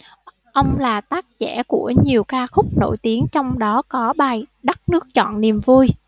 ông là tác giả của nhiều ca khúc nổi tiếng trong đó có bài đất nước trọn niềm vui